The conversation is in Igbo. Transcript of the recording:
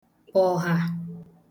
kpọ̀ha